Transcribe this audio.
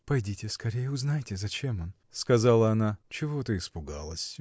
— Подите скорей — узнайте, зачем он? — сказала она. — Чего ты испугалась?